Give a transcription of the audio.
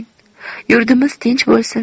yurtimiz tinch bo'lsin